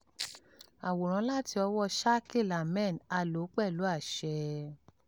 Àwòrán láti ọwọ́ọ Shakil Ahmed, a lò ó pẹlú àṣẹ.